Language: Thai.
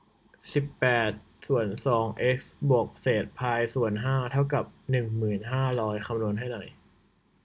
เศษแปดส่วนสองเอ็กซ์บวกเศษพายส่วนห้าเท่ากับหนึ่งหมื่นห้าร้อยคำนวณให้หน่อย